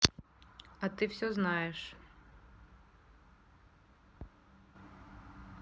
а ты все знаешь